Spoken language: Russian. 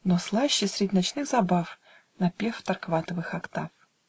Но слаще, средь ночных забав, Напев Торкватовых октав!